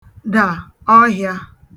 dà ọhịā